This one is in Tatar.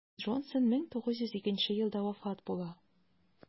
Джонсон 1902 елда вафат була.